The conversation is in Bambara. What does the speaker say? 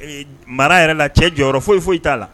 Ee d mara yɛrɛ la cɛ jɔyɔrɔ foyi foyi t'a la